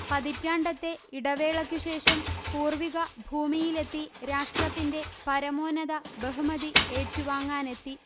പതിറ്റാണ്ടത്തെ ഇടവേളയ്ക്കുശേഷം പൂർവിക ഭൂമിയിലെത്തി രാഷ്ട്രത്തിന്റെ പരമോന്നത ബഹുമതി ഏറ്റുവാങ്ങാനെത്തി